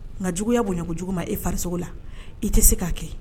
Nka juguyaya bonya jugu ma e fariso la i tɛ se k'a kɛ